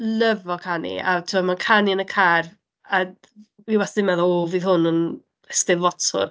Lyfo canu, a timod, mae'n canu yn y car a, d- dwi wastad yn meddwl, "O, fydd hwn yn steddfotwr!"